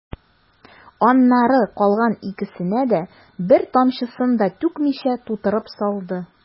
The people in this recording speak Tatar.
Аннары калган икесенә дә, бер тамчысын да түкмичә, тутырып салды.